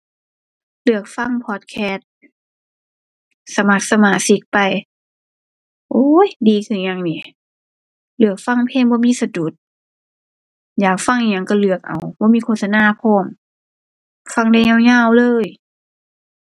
เลือกฟังพอดแคสต์ สมัครสมาชิกไป โอ๊ย ดีคือหยังหนิ เลือกฟังเพลงบ่มีสะดุด อยากฟังอิหยังก็เลือกเอา บ่มีโฆษณาพร้อม ฟังได้ยาวยาวเลย